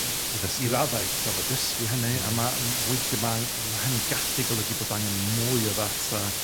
I ddysgu. I raddau gorfod dysgu hynny a ma' m- weithia' ma' ang- a ma' hynny'n gallu golygu bod angen mwy o ddata